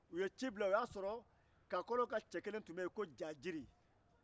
u ye cila bila o y'a sɔrɔ kakɔlɔw ke cɛ kelen tun bɛ yen ko jajiri